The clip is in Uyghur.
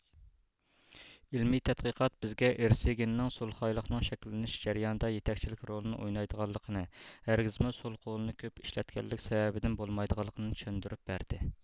ئىلمىي تەتقىقات بىزگە ئىرسىي گېننىڭ سولخايلىقنىڭ شەكىللىنىش جەريانىدا يېتەكچىلىك رولىنى ئوينايدىغانلىقىنى ھەرگىزمۇ سول قولىنى كۆپ ئىشلەتكەنلىك سەۋەبىدىن بولمايدىغانلىقىنى چۈشەندۈرۈپ بەردى